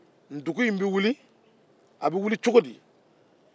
ntugun in bɛ wuli cogo di